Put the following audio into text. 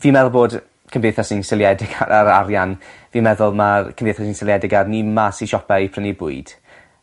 Fi'n meddwl bod cymdeithas ni'n seiliedig ar ar arian. Fi'n meddwl ma'r cymdeithas ni'n seliedig ar ni m'n' mas i siopa i prynu bwyd.